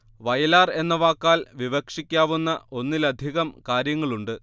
വയലാർ എന്ന വാക്കാൽ വിവക്ഷിക്കാവുന്ന ഒന്നിലധികം കാര്യങ്ങളുണ്ട്